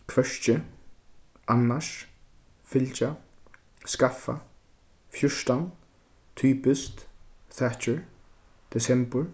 hvørki annars fylgja skaffa fjúrtan typiskt thatcher desembur